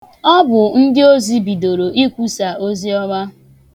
Ọ bụ ndịozi bidoro ikwusa oziọma.